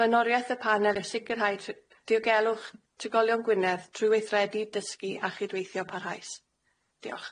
Blenoriaeth y panel yw sicrhau tr- diogelwch trigolion Gwynedd trwy weithredu dysgu a chydweithio parhaus. Diolch.